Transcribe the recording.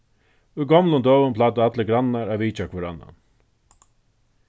í gomlum døgum plagdu allir grannar at vitja hvør annan